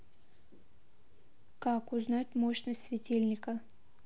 как узнать мощность светильника